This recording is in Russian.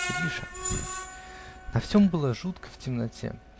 ГРИША. Нам всем было жутко в темноте